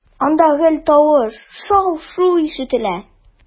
Анда гел тавыш, шау-шу ишетелә.